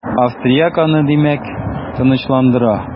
Австрияк аны димәк, тынычландыра.